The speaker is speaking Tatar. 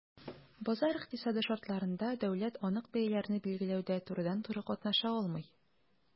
Базар икътисады шартларында дәүләт анык бәяләрне билгеләүдә турыдан-туры катнаша алмый.